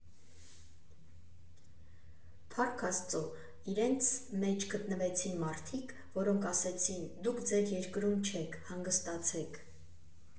Փառք Աստծո, իրենց մեջ գտնվեցին մարդիկ, որոնք ասեցին՝ «դուք ձեր երկրում չեք, հանգստացեք…